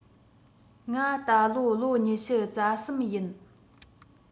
ང ད ལོ ལོ ཉི ཤུ རྩ གསུམ ཡིན